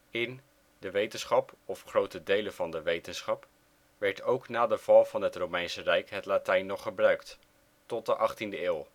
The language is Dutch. In (grote delen van) de wetenschap werd ook na de val van het Romeinse Rijk het Latijn nog gebruikt, tot de achttiende eeuw